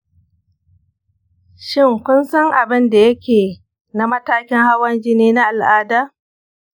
shin, kun san abin da yake na matakin hawan jini na al'ada?